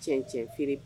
Cɛnɛnfiri